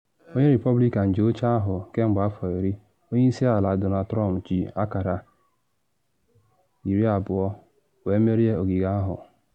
Onye Repọblikan ji oche ahụ kemgbe afọ iri, Onye Isi Ala Donald Trump ji akara 20 wee merie ogige ahụ.